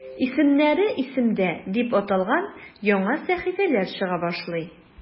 "исемнәре – исемдә" дип аталган яңа сәхифәләр чыга башлый.